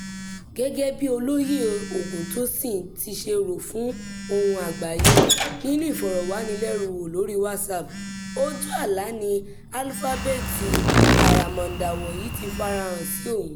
Gẹ́gẹ́ bí Olóyè Ògúntósìn ti ṣe rò fún Ohùn Àgbáyé nínú ìfọ̀rọ̀wánilẹ́nuwò lórí WhatsApp, ojú àlá ni alífábẹ́ẹ̀tì àràmàndà wọ̀nyí ti f'ara hàn sí òun.